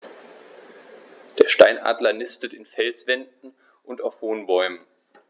Der Steinadler nistet in Felswänden und auf hohen Bäumen.